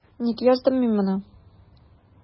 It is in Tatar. Ник яздым мин моны?